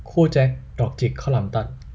คู่แจ็คดอกจิกข้าวหลามตัด